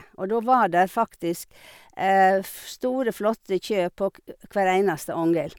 Og da var der faktisk f store, flotte kjø på k hver eneste angel.